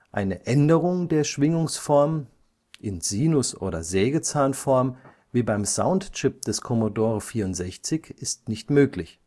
Eine Änderung der Schwingungsform („ Klangfarbe “) in Sinus - oder Sägezahnform wie beim Soundchip des Commodore 64 ist nicht möglich